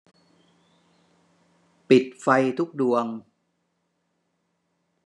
ปิดไฟทุกดวง